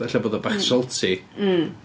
Ella bod o bach yn salty.